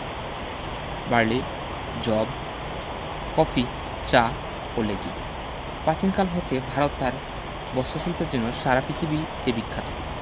barley যব coffee চা উল্লেখযোগ্য পাচীনকাল হতে ভারত তার বস্ত্রশিল্পের জন্য সারা পিতিবীতে বিখ্যাত